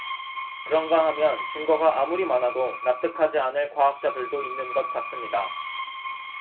그런가 하면 증거가 아무리 많아도 납득하지 않을 과학자들도 있는 것 같습니다